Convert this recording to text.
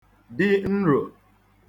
dị nro